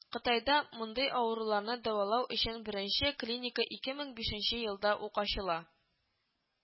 Кытайда мондый авыруларны дәвалау өчен беренче клиника ике мең бишенче елда ук ачыла